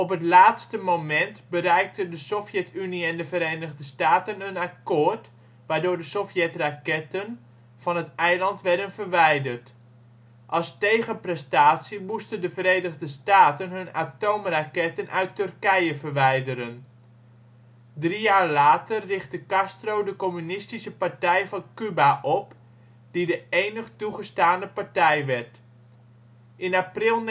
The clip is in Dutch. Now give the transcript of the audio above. het laatste moment bereikten de Sovjet-Unie en de Verenigde Staten een akkoord, waardoor de Sovjetraketten van het eiland werden verwijderd. Als tegenprestatie moesten de Verenigde Staten hun atoomraketten uit Turkije verwijderen. Drie jaar later richtte Castro de Communistische Partij van Cuba (PCC) op, die de enig toegestane partij werd. In april